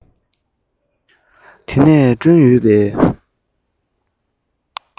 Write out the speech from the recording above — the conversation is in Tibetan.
འདི ནས བསྐྲུན ཡོད པའི